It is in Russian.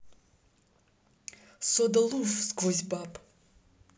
soda luv сквозь баб